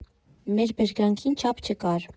Մեր բերկրանքին չափ չկար։